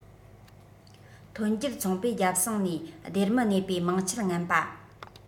ཐོན འབྱེད ཚོང པས རྒྱབ གསང ནས སྡེར མི གནས པའི མིང ཆད ངན པ